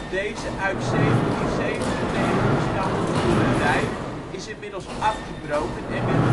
Deze uit 1797 stammende boerderij is inmiddels afgebroken en weer